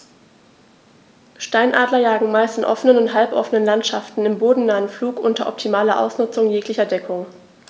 Steinadler jagen meist in offenen oder halboffenen Landschaften im bodennahen Flug unter optimaler Ausnutzung jeglicher Deckung.